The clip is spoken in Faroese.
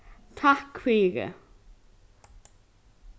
takk fyri